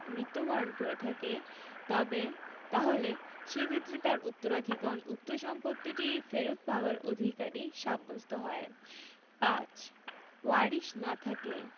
মৃত্যুবরণ করে থাকে তাহলে সেক্ষেত্রে তার উত্তরাধিকারীগণ উক্ত সম্পত্তিটি ফেরত পাবার অধিকারী সাব্যস্ত হয় ৫ ওয়ারিশ না থাকলে